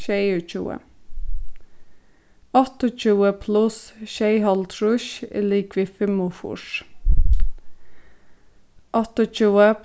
sjeyogtjúgu áttaogtjúgu pluss sjeyoghálvtrýss er ligvið fimmogfýrs áttaogtjúgu